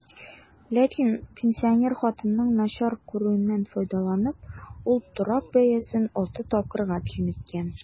Ләкин, пенсинер хатынның начар күрүеннән файдаланып, ул торак бәясен алты тапкырга киметкән.